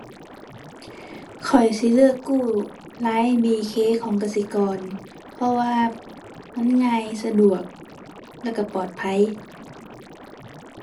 ข้อยสิเลือกกู้ LINE BK ของกสิกร เพราะว่ามันง่าย สะดวก แล้วก็ปลอดภัย